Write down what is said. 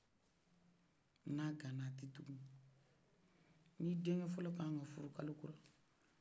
n'a kana a te dugu ni den kɛ fɔlɔ kaɲi ka furu kalo kuru